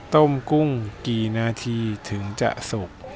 ต้มกุ้งกี่นาทีถึงจะสุก